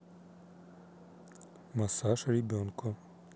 массаж ребенку